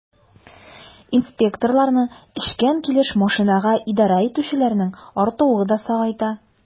Инспекторларны эчкән килеш машинага идарә итүчеләрнең артуы да сагайта.